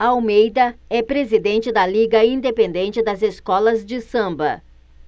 almeida é presidente da liga independente das escolas de samba